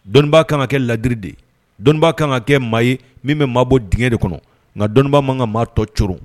Dɔnnibaa kan ka kɛ ladiri de ye dɔnniba kan ka kɛ maa ye min bɛ maa bɔ dgɛ de kɔnɔ nka dɔnniba man kan ka maa tɔ cogoro